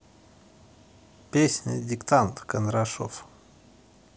песня диктант кондрашов